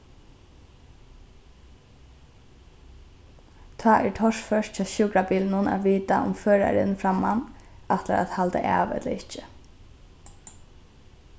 tá er torført hjá sjúkrabilinum at vita um førarin framman ætlar at halda av ella ikki